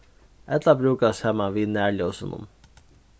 ella brúkast saman við nærljósunum